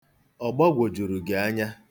Ọ gbagwojuru gị anya?